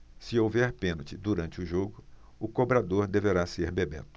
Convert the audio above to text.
se houver pênalti durante o jogo o cobrador deverá ser bebeto